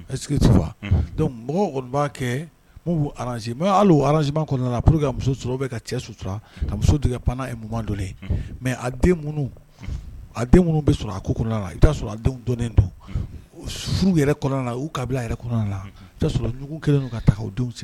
Mɔgɔ b'a kɛ ze mɛ arazma kɔnɔna p walasaur que muso bɛ ka cɛ sutura ka muso tigɛ pan mɛ a minnu a den minnu bɛ sɔrɔ a ko kɔnɔna i' sɔrɔ a denw dɔnnen don furu yɛrɛ kɔnɔna u kabila bila a yɛrɛ kɔnɔna la' sɔrɔugu kelen don ka taa k' denw sigi